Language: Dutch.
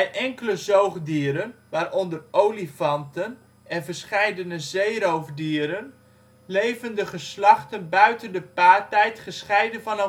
enkele zoogdieren, waaronder olifanten en verscheidene zeeroofdieren, leven de geslachten buiten de paartijd gescheiden van